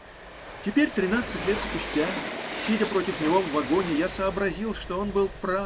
Теперь, тринадцать лет спустя, сидя против него в вагоне, я сообразил, что он был прав.